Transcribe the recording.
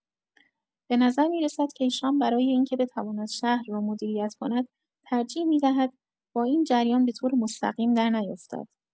به‌نظر می‌رسد که ایشان برای این که بتواند شهر را مدیریت کند، ترجیح می‌دهد با این جریان به‌طور مستقیم در نیفتد.